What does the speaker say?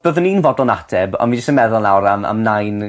Byddwn i'n fodlon ateb ond fi jyst yn meddwl nawr am am Nain...